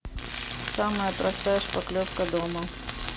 самая простая шпаклевка дома